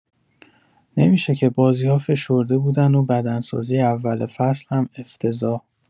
نمی‌شه که بازی‌ها فشرده بودن و بدنسازی اول فصل هم افتضاح